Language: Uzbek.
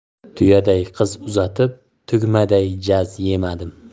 tuyaday qiz uzatib tugmaday jaz yemadim